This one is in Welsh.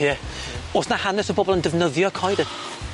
Ie. O's 'na hanes o bobol yn defnyddio coed yy?